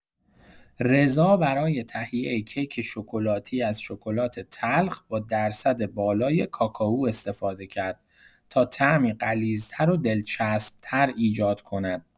رضا برای تهیه کیک شکلاتی از شکلات تلخ با درصد بالای کاکائو استفاده کرد تا طعمی غلیظ‌تر و دلچسب‌تر ایجاد کند.